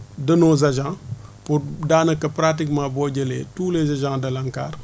de nos agents pour daanaka pratiquement boo jëlee tous les agebts de l' ANCAR